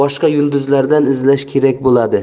boshqa yulduzlardan izlash kerak bo'ladi